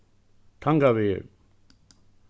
tangavegur